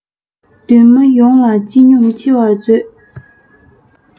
འདུན མ ཡོངས ལ སྤྱི སྙོམས ཆེ བར མཛོད